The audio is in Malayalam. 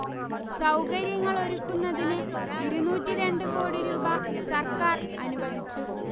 സൌകര്യങ്ങൾ ഒരുക്കുന്നതിന് ഇരുന്നൂറ്റിരണ്ട് കോടി രൂപ സർക്കാർ അനുവദിച്ചു